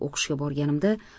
o'qishga borganimda